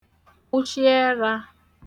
kwụshị erā